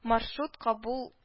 Маршрут кабул